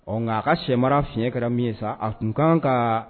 Ɔ nka a ka sɛ mara fiɲɛ kɛra min ye sa, a tun ka kan